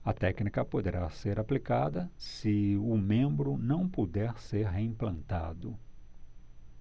a técnica poderá ser aplicada se o membro não puder ser reimplantado